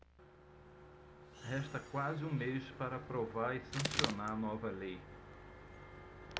resta quase um mês para aprovar e sancionar a nova lei